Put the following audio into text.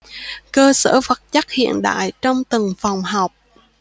cơ sở vật chất hiện đại trong từng phòng học